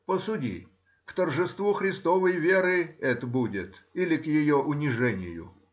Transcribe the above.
Посуди: к торжеству Христовой веры это будет или к ее унижению?